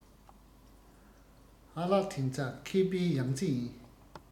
ཨ ལགས ངྷི ཚ མཁས པའི ཡང རྩེ ཡིན